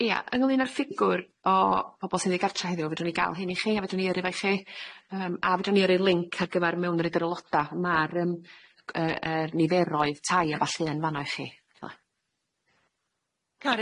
Ia ynglŷn â'r ffigwr o pobol sy'n ddigartra heddiw fedran ni ga'l hyn i chi a fedrwn ni yrru fo i chi yym a fedran ni yrru linc ar gyfar mewnfryd yr euloda ma'r yym g- yy yr niferoedd tai a ballu yn fanno i chi fel'a.